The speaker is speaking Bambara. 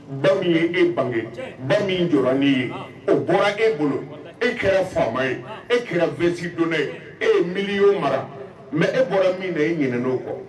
Baw ye e bange baw min jɔ n' ye o bɔra e bolo e kɛra faama ye e kɛra wsi don ye e ye mili'o mara mɛ e bɔra min de e ɲin'o kɔ